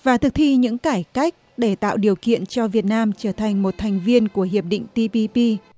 và thực thi những cải cách để tạo điều kiện cho việt nam trở thành một thành viên của hiệp định ti pi pi